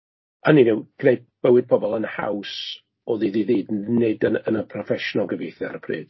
Hynny yw gwneud bywyd pobl yn haws o ddydd i ddydd, nid yn y yn y proffesiwn o gyfieithu ar y pryd?